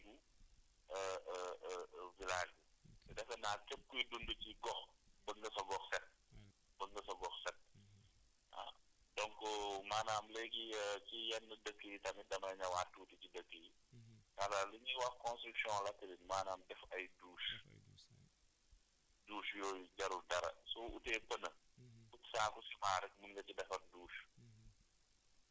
ñun ñëpp a ko bokk te day changé li ñuy wax esthétique gu village bi te defe naa képp kuy dund ci gox bëgg nga sa gox set bëgg nga sa gox set waaw donc maanaam léegi ci yenn dëkk yi tamit damay ñëwaat tuuti ci dëkk yi * lu ñuy wax construction latérine maanaam def ay douches douche yooyu jarul dara soo utee pneu